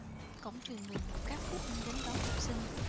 cổng trường nườm nượp các phụ huynh đến đón học sinh